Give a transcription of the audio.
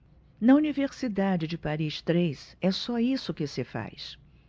na universidade de paris três é só isso que se faz